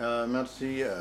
Aa'ri sigi